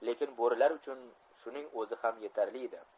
lekin bo'rilar uchun shuning o'zi ham yetarli edi